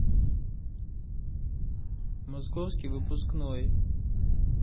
московский выпускной